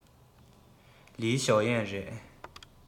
ལིའི ཞའོ ཡན རེད